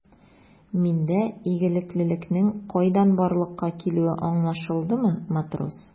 Миндә игелеклелекнең кайдан барлыкка килүе аңлашылдымы, матрос?